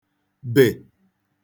bẹ̀